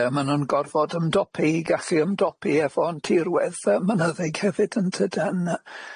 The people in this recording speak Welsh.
Ie ma' nw'n gorfod ymdopi i gallu ymdopi efo'n tirwedd yy mynyddig hefyd yntydan?